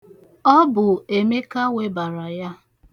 Ọ bụ Emeka webara ya.